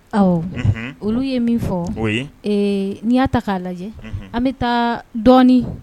Ɔ olu ye min fɔ n'i y'a ta k'a lajɛ an bɛ taa dɔɔninɔni